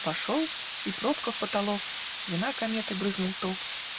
Вошел: и пробка в потолок, Вина кометы брызнул ток